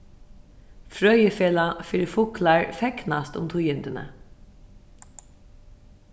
frøðifelag fyri fuglar fegnast um tíðindini